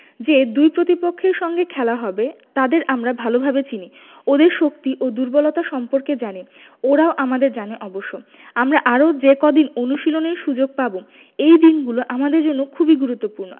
যে দুই প্রতিপক্ষের সঙ্গে খেলা হবে তাদের আমরা ভালোভাবে চিনি ওদের শক্তি ও দুর্বলতা সম্পর্কে জানি ওরাও আমাদের জানে অবশ্য আমরা আরও যে কদিন অনুশীলনের সুযোগ পাব এই দিনগুলো আমাদের জন্য খুবই গুরুত্বপূর্ণ